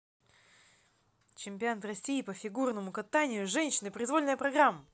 чемпионат россии по фигурному катанию женщины произвольная программа